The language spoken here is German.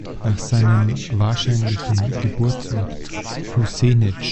nach seinem wahrscheinlichen Geburtsort Husinec